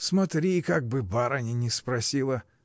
— Смотри, как бы барыня не спросила!